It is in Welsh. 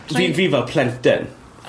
Fi fi fel plentyn.